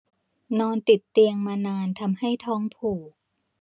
นอนติดเตียงมานานทำให้ท้องผูก